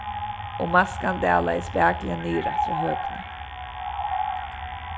og maskan dalaði spakuliga niður aftur á høkuna